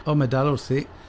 O, mae dal wrthi.